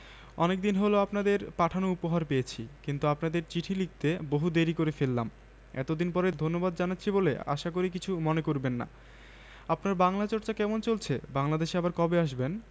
অনেকদিন হল আপনাদের পাঠানো উপহার পেয়েছি কিন্তু আপনাদের চিঠি লিখতে বহু দেরী করে ফেললাম এতদিন পরে ধন্যবাদ জানাচ্ছি বলে আশা করি কিছু মনে করবেন না আপনার বাংলা চর্চা কেমন চলছে বাংলাদেশে আবার কবে আসবেন